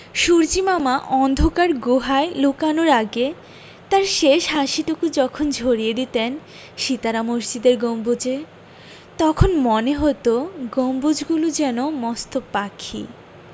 সূর্য্যিমামা অন্ধকার গুহায় লুকানোর আগে তাঁর শেষ হাসিটুকু যখন ঝরিয়ে দিতেন সিতারা মসজিদের গম্বুজে তখন মনে হতো গম্বুজগুলো যেন মস্ত পাখি